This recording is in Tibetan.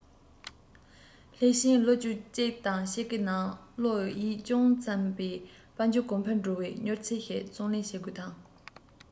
ད ལྟ ཉམས པ རྣམས སླར གསོ བྱེད རྒྱུར བསྡད ཡོད པས ཚང མ དམ འཛིན བྱས ན འགྲུ ཐབས མེད